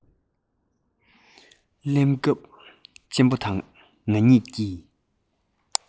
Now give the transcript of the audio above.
གླེང སྐབས གཅེན པོ དང ང གཉིས ཀྱིས